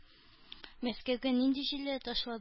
Мәскәүгә нинди җилләр ташлады?